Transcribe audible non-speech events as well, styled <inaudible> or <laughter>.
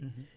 <hesitation> <hesitation>